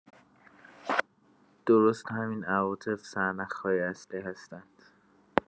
درست همین عواطف سرنخ‌های اصلی هستند.